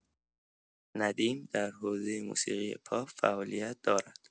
ندیم در حوزه موسیقی پاپ فعالیت دارد.